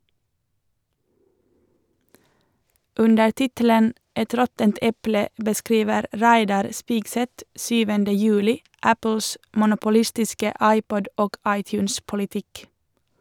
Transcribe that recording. Under tittelen «Et råttent eple» beskriver Reidar Spigseth 7. juli Apples monopolistiske iPod- og iTunes-politikk.